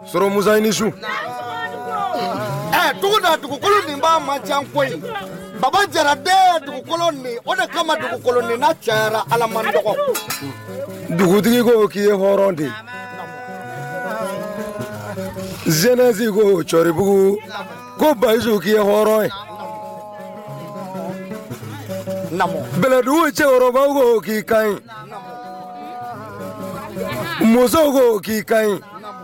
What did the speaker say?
Mu dugu dugukolo' man koyi a jaladen dugu o de kama dugukolon na cayayara ala tɔgɔ dugutigi ko k'i ye de zɛnsin ko cɔribugu ko basiw k'i ye hɔrɔn yelɛdugu cɛw k'i ka ɲi muso ko k'i ka ɲi